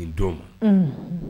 Nin don unhun